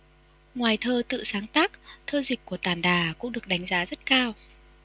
ngoài thơ tự sáng tác thơ dịch của tản đà cũng được đánh giá rất cao